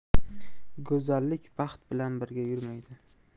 go'zallik baxt bilan birga yurmaydi